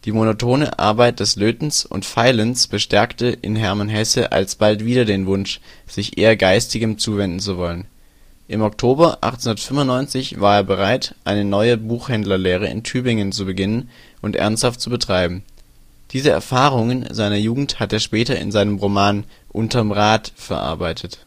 monotone Arbeit des Lötens und Feilens bestärkte in Hermann Hesse alsbald wieder den Wunsch, sich eher Geistigem zuwenden zu wollen. Im Oktober 1895 war er bereit, eine neue Buchhändlerlehre in Tübingen zu beginnen und ernsthaft zu betreiben. Diese Erfahrungen seiner Jugend hat er später in seinem Roman " Unterm Rad " verarbeitet